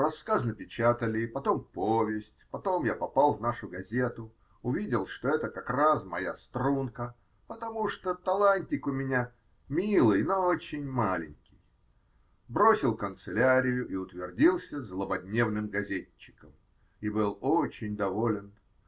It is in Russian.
рассказ напечатали, потом повесть, потом я попал в нашу газету, увидел, что это как раз моя струнка, -- потому что талантик у меня милый, но очень маленький, -- бросил канцелярию и утвердился злободневным газетчиком и был очень доволен.